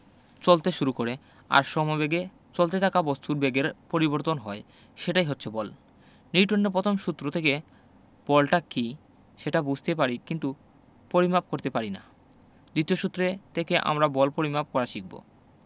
চলতে শুরু করে আর সমবেগে চলতে থাকা বস্তুর বেগের পরিবর্তন হয় সেটাই হচ্ছে বল নিউটনের পথম সূত্র থেকে বলটা কী সেটা বুঝতে পারি কিন্তু পরিমাপ করতে পারি না দ্বিতীয় সূত্রে থেকে আমরা বল পরিমাপ করা শিখব